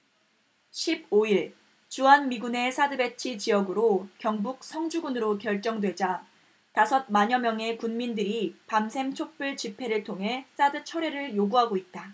십 오 일 주한미군의 사드 배치 지역으로 경북 성주군으로 결정되자 다섯 만여명의 군민들이 밤샘 촛불 집회를 통해 사드 철회를 요구하고 있다